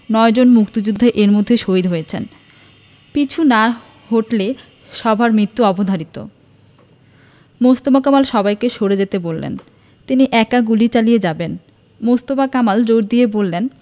নয়জন মুক্তিযোদ্ধা এর মধ্যেই শহিদ হয়েছেন পিছু না হটলে সবার মৃত্যু অবধারিত মোস্তফা কামাল সবাইকে সরে যেতে বললেন তিনি একা গুলি চালিয়ে যাবেন মোস্তফা কামাল জোর দিয়ে বললেন